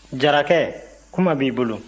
jarakɛ kuma b'i bolo